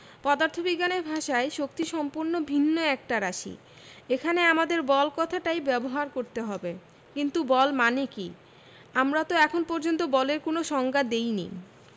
পদার্থবিজ্ঞানের ভাষায় শক্তি সম্পূর্ণ ভিন্ন একটা রাশি এখানে আমাদের বল কথাটাই ব্যবহার করতে হবে কিন্তু বল মানে কী আমরা তো এখন পর্যন্ত বলের কোনো সংজ্ঞা দিইনি